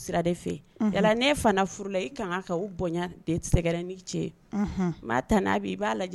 Maa tan n b